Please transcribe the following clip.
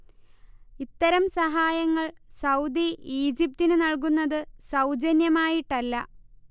ഇത്തരം സഹായങ്ങൾ സൗദി ഈജ്പിതിന് നൽകുന്നത് സൗജന്യമായിട്ടല്ല